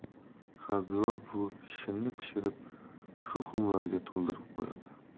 habiba buvi shinni pishirib shu xumlarga to'ldirib qo'yadi